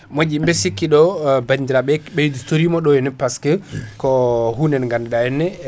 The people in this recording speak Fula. moƴƴi bed sikki ɗo bandiraɓeɓe ɓeydotirima ɗo henna parceque koo hude nde ganduɗa henna e